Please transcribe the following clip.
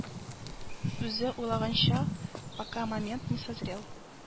Үзе уйлаганча, пока момент не созрел